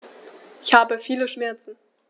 Ich habe viele Schmerzen.